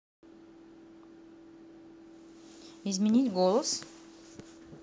изменить голос